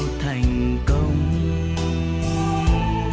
thành công